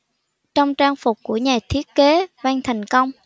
trong trang phục của nhà thiết kế văn thành công